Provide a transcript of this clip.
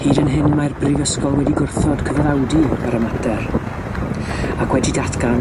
hyd yn hyn mae'r brifysgol wedi gwrthod cyfaddawdi ar y mater, ac wedi datgan